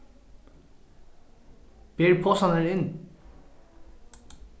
ber posarnar inn